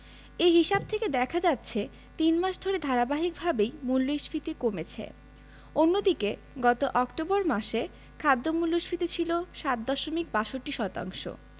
এ হিসাব থেকে দেখা যাচ্ছে তিন মাস ধরে ধারাবাহিকভাবেই মূল্যস্ফীতি কমেছে অন্যদিকে গত অক্টোবর মাসে খাদ্য মূল্যস্ফীতি ছিল ৭ দশমিক ৬২ শতাংশ